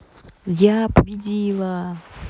я победила